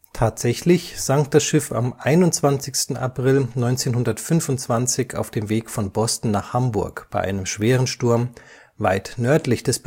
Tatsächlich sank das Schiff am 21. April 1925 auf dem Weg von Boston nach Hamburg bei einem schweren Sturm weit nördlich des